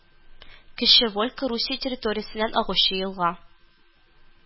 Кече Волька Русия территориясеннән агучы елга